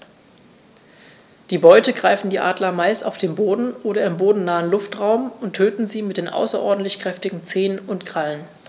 Die Beute greifen die Adler meist auf dem Boden oder im bodennahen Luftraum und töten sie mit den außerordentlich kräftigen Zehen und Krallen.